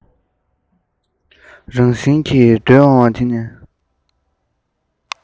རང བཞིན གྱིས བརྡོལ འོང བ དེ ནི